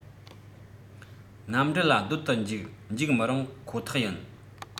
གནམ གྲུ ལ སྡོད དུ འཇུག འཇུག མི རུང ཁོ ཐག ཡིན